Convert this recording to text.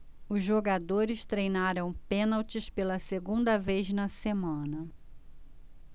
os jogadores treinaram pênaltis pela segunda vez na semana